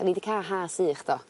'dan ni 'di ca'l Ha sych do?